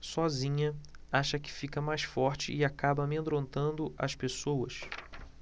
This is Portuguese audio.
sozinha acha que fica mais forte e acaba amedrontando as pessoas